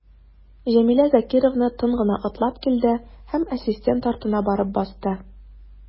Җәмилә Закировна тын гына атлап килде һәм ассистент артына барып басты.